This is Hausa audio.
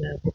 lebur.